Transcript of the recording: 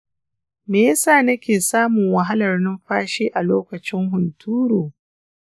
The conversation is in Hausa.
me yasa nake samun wahalar numfashi a lokacin hunturu?